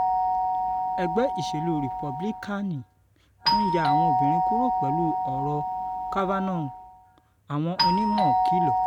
Ẹgbẹ́ Ìṣèlú Rìpúbílíkáànì ń ya àwọn obìnrin kúrò pẹ̀lú ọ̀rọ̀ Kavanaugh, Àwọn Onímọ̀ kìlọ̀